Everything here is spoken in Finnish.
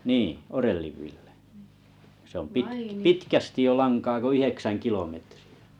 niin Orellin Ville se on - pitkästi jo lankaa kun yhdeksän kilometriä